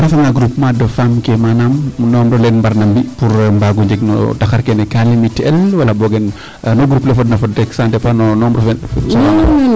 D' accord a refanga groupement de femme ke manaam nombre ole nu mbarna mbi' pour mbaago njeg no taxar keene kaa limiter el wala boogen nu groupe le fodna fod rek ca dépends no nombre fe nu soxla'na .